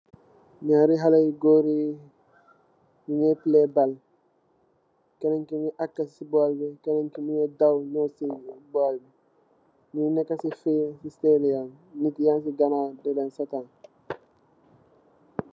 Nyaari hale yu goor, nyungee play ball, kanen ki mungee akasi ball bi, kanen mungee daw nyew si ball bi, nyungi nek si field, si stadium bi, nit yang si ganaaw, dileen seetaan.